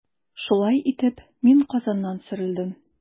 Шулай итеп, мин Казаннан сөрелдем.